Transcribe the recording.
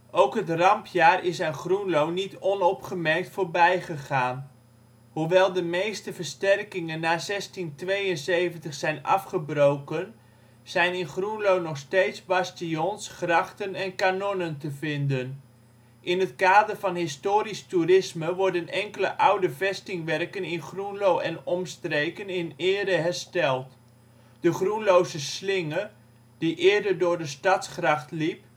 Ook het rampjaar is aan Groenlo niet onopgemerkt voorbij gegaan. Hoewel de meeste versterkingen na 1672 zijn afgebroken, zijn in Groenlo nog steeds bastions, grachten en kanonnen te vinden. In het kader van historisch toerisme worden enkele oude vestingwerken in Groenlo en omstreken in ere hersteld. De Groenlose Slinge, die eerder door de stadsgracht liep